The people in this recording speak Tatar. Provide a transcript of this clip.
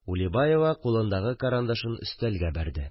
Улибаева кулындагы карандашын өстәлгә бәрде